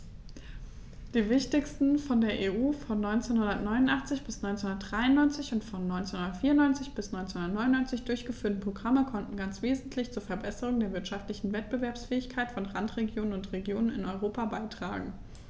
Die wichtigsten von der EU von 1989 bis 1993 und von 1994 bis 1999 durchgeführten Programme konnten ganz wesentlich zur Verbesserung der wirtschaftlichen Wettbewerbsfähigkeit von Randregionen und Regionen in Europa beitragen.